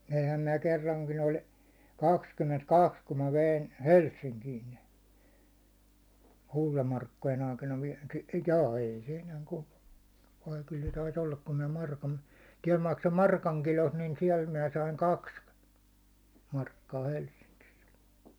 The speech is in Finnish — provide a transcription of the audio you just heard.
veinhän minä kerrankin oli kaksikymmentäkaksi kun minä vein Helsinkiin ne kultamarkkojen aikana - jaa ei se enää - vai kyllä se taisi olla kun minä markan täällä maksoin markan kilosta niin siellä minä sain kaksi markkaa Helsingissä